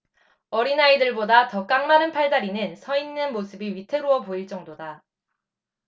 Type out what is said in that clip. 어린아이들보다 더 깡마른 팔다리는 서 있는 모습이 위태로워 보일 정도다